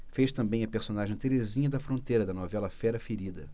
fez também a personagem terezinha da fronteira na novela fera ferida